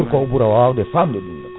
pour que ko o ɓuura wawde famde ɗum ɗon